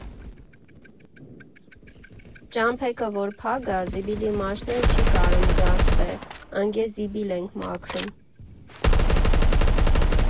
֊Ճամփեգը որ փագ ա, զիբիլի մաշնեն չի կարըմ գա ստե, ընգե զիբիլ ենք մաքրըմ։